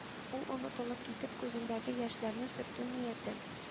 Ул, онытылып китеп, күзендәге яшьләрне сөртү нияте